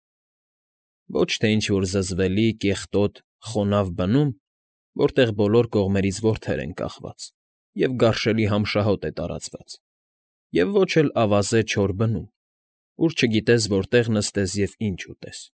Ոչ թե ինչ֊որ զզվելի, կեղտոտ, խոնավ բնում, որտեղ բոլոր կողմերից որդեր են կախված և գարշելի նամշահոտ է տարածված, և ոչ էլ ավազե չոր բնում, ուր չգիտես որտեղ նստես և ինչ ուտես։